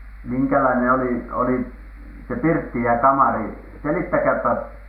minkälainen oli oli se pirtti ja kamari selittäkääpä